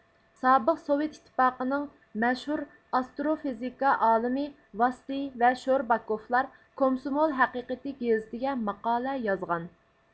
سابىق سوۋېت ئىتتىپاقىنىڭ مەشھۇر ئاستروفىزىكا ئالىمى ۋاسلىي ۋە شورباكوفلار كومسومول ھەقىقىتى گېزىتىگە ماقالە يازغان